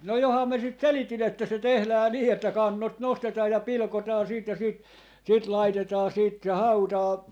no johan minä sitä selitin että se tehdään niin että kannot nostetaan ja pilkotaan siitä ja siitä sitten laitetaan siitä se hautaan